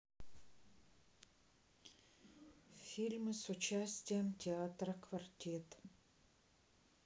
фильмы с участием театра квартет